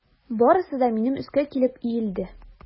Барысы да минем өскә килеп иелде.